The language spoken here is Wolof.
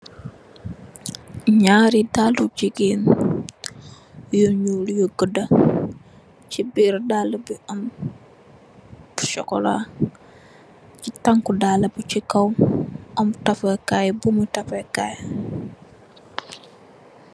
Nyarri dalla jigeen yu ñuul yu gudda, ci biir am sokola ,ci tanku dalla bi ci kaw am tafee kaay .